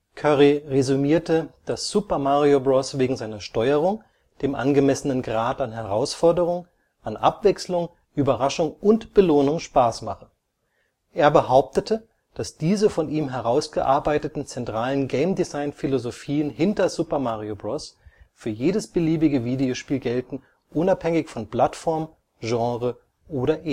Curry resümierte, dass Super Mario Bros. wegen seiner Steuerung, dem angemessenen Grad an Herausforderung, an Abwechslung, Überraschung und Belohnung Spaß mache. Er behauptete, dass diese von ihm herausgearbeiteten zentralen Game-Design-Philosophien hinter Super Mario Bros. für jedes beliebige Videospiel gelten, unabhängig von Plattform, Genre oder